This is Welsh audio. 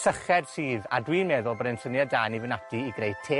syched sydd, a dwi'n meddwl bod e'n syniad da i ni fynd ati i greu te